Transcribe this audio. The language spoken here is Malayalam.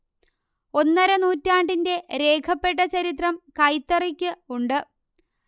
ഒന്നര നൂറ്റാണ്ടിന്റെ രേഖപ്പെട്ട ചരിത്രം കൈത്തറിക്ക് ഉണ്ട്